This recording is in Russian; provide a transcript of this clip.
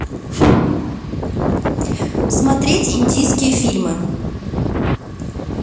смотреть индийские фильмы